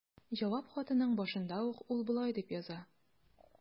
Җавап хатының башында ук ул болай дип яза.